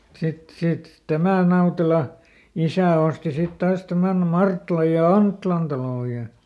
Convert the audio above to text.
mutta sitten sitten tämän Nautelan isä osti sitten taas tämän Marttilan ja Anttilan talon ja